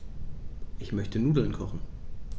Ich möchte Nudeln kochen.